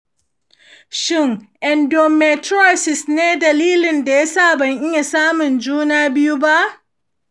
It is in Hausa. shin endometriosis ne dalilin da ya sa ban iya samun juna biyu ba?